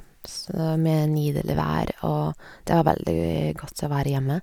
sånå Med nydelig vær, og det var veldig godt å være hjemme.